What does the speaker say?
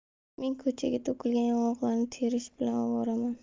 men ko'chaga to'kilgan yong'oqlarni terish bilan ovoraman